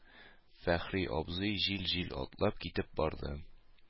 Фәхри абзый җил-җил атлап китеп барды.